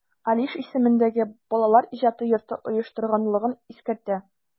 Алиш исемендәге Балалар иҗаты йорты оештырганлыгын искәртә.